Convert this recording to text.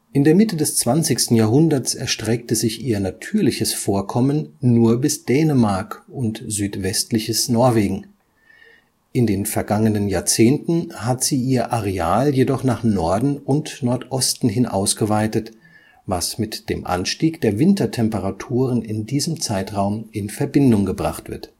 In der Mitte des 20. Jahrhunderts erstreckte sich ihr natürliches Vorkommen nur bis Dänemark und südwestliche Norwegen, in den vergangenen Jahrzehnten hat sie ihr Areal jedoch nach Norden und Nordosten hin ausgeweitet, was mit dem Anstieg der Wintertemperaturen in diesem Zeitraum in Verbindung gebracht wird